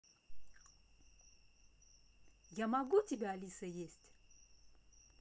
я могу тебя алиса есть